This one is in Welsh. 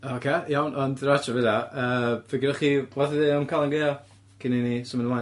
Ocê, iawn, on' yy fy' gynnoch chi wbath i ddeu am Calan Gaea cyn i ni symud ymlaen?